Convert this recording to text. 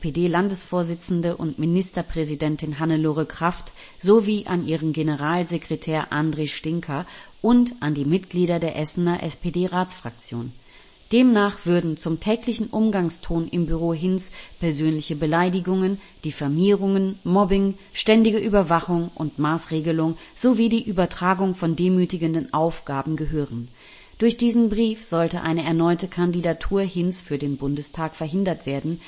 die SPD-Landesvorsitzende und Ministerpräsidentin Hannelore Kraft sowie an ihren Generalsekretär André Stinka und an die Mitglieder der Essener SPD-Ratsfraktion. Demnach würden „ zum täglichen Umgangston im Büro Hinz persönliche Beleidigungen, Diffamierungen, Mobbing, ständige Überwachung und Maßregelung sowie die Übertragung von demütigenden Aufgaben “gehören. Durch diesen Brief sollte eine erneute Kandidatur Hinz’ für den Bundestag verhindert werden